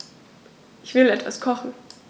Ich will etwas kochen.